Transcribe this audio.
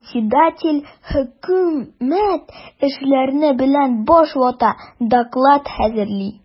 Председатель хөкүмәт эшләре белән баш вата, доклад хәзерли.